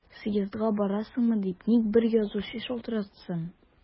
Съездга барасыңмы дип ник бер язучы шалтыратсын!